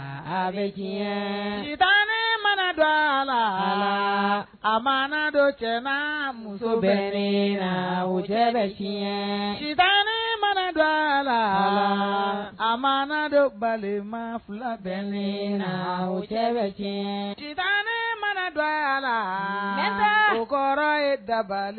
Saba tan mana dɔ a la a ma dɔ cɛ muso bɛ la o jɛgɛ bɛ tan mana dɔ la a ma dɔ bali ma fila bɛ la o jɛgɛ bɛ taa mana dɔ a la n kɔrɔ ye dabali